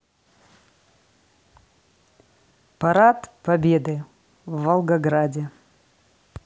парад победы в волгограде